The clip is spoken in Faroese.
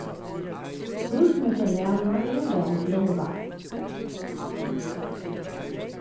húsini hjá rana eru væl bjálvað